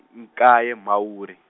nkaye Mhawuri.